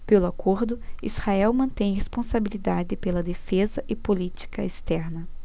pelo acordo israel mantém responsabilidade pela defesa e política externa